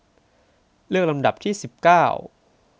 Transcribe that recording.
เลือกลำดับที่สิบเก้า